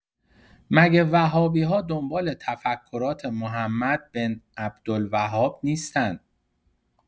مگه وهابی‌ها دنبال تفکرات محمد بن عبدالوهاب نیستن؟